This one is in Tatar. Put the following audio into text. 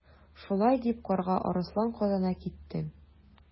Шулай дип Карга Арыслан катына китте.